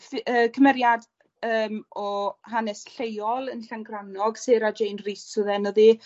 thi- yy cymeriad yym o hanes lleol yn Llangrannog Sarh-Jane Rhys odd enw ddi.